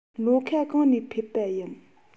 ལྷོ ཁ གང ནས ཕེབས པ ཡིན